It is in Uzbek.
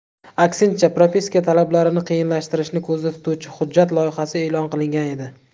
aksincha propiska talablarini qiyinlashtirishni ko'zda tutuvchi hujjat loyihasi e'lon qilingan edi